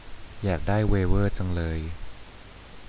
อยากได้เวเวอร์จังเลย